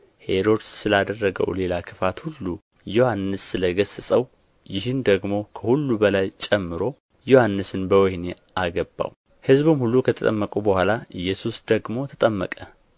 ሄሮድስ ስላደረገው ሌላ ክፋት ሁሉ ዮሐንስ ስለ ገሠጸው ይህን ደግሞ ከሁሉ በላይ ጨምሮ ዮሐንስን በወኅኒ አገባው ሕዝቡም ሁሉ ከተጠመቁ በኋላ ኢየሱስ ደግሞ ተጠመቀ